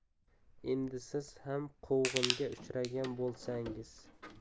endi siz ham quvg'inga uchragan bo'lsangiz